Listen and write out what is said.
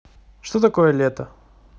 что такое лето